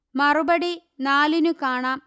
മറുപടി നാലിനു കാണാം